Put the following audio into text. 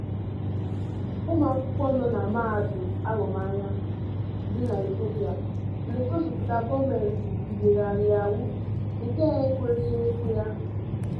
Ụmụakwụkwọ nọ na Mahadum Haromaya dị na Ethiopia na-egosipụta gọọmentị mmegharị ahụ nke ekweghị ekwe ha.